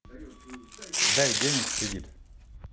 дай денег в кредит